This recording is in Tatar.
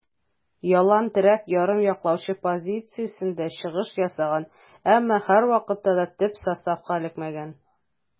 Ялланн терәк ярым яклаучы позициясендә чыгыш ясаган, әмма һәрвакытта да төп составка эләкмәгән.